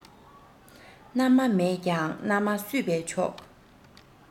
མནའ མ མེད ཀྱང མནའ མ བསུས པས ཆོག